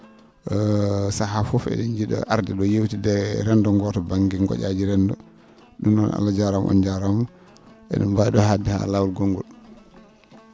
sahaa fof e?en jii?a arde ?o yewtidde e rendogo to ba?nge go?aaji renndo ?um noon Allah jaaraama on jaaraama e?en mbaawi ?o hadde haa laawol gongol